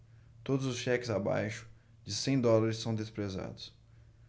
todos os cheques abaixo de cem dólares são desprezados